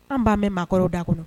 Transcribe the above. An b'an mɛn maakɔrɔw da kɔnɔ